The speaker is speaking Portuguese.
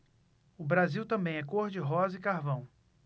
o brasil também é cor de rosa e carvão